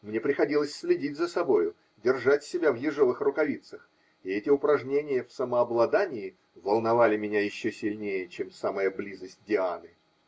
мне приходилось следить за собою, держать себя в ежовых рукавицах, и эти упражнения в самообладании волновали меня еще сильнее, чем самая близость Дианы.